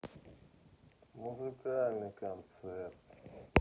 музыкальный концерт